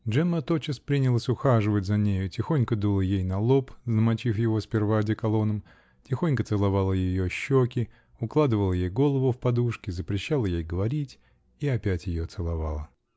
) Джемма тотчас принялась ухаживать за нею, тихонько дула ей на лоб, намочив его сперва одеколоном, тихонько целовала ее щеки, укладывала ей голову в подушки, запрещала ей говорить -- и опять ее целовала.